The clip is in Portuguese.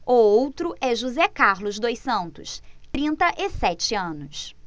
o outro é josé carlos dos santos trinta e sete anos